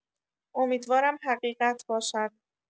امیدوارم حقیقت باشد.